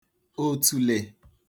òtùlè